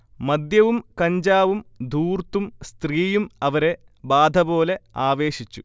മദ്യവും കഞ്ചാവും ധൂർത്തും സ്ത്രീയും അവരെ ബാധപോലെ ആവേശിച്ചു